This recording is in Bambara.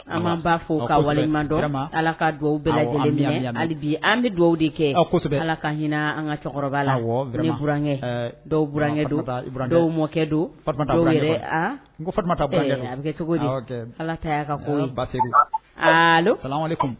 An b ba fɔ ka wale dɔw ma ala ka dugawu bɛɛ an bɛ dugawu de kɛsɔ ala ka hinɛ an ka lakɛ dɔw b mɔkɛ